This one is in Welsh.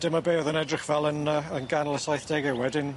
Dyma be' o'dd yn edrych fel yn yy yn ganol y saithdege wedyn.